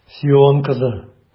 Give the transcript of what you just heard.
Сион кызы!